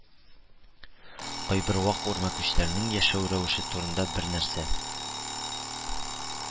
Кайбер вак үрмәкүчләрнең яшәү рәвеше турында бернәрсә